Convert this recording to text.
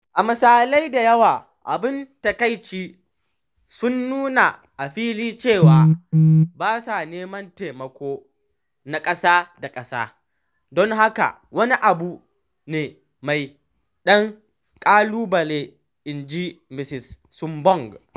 “A misalai da yawa, abin takaici, sun nuna a fili cewa ba sa neman taimako na ƙasa-da-ƙasa, don haka wani abu ne mai ɗan ƙalubale,” inji Misis Sumbung.